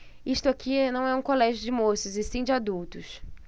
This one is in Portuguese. isto aqui não é um colégio de moças e sim de adultos